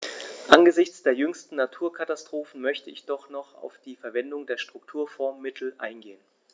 Angesichts der jüngsten Naturkatastrophen möchte ich doch noch auf die Verwendung der Strukturfondsmittel eingehen.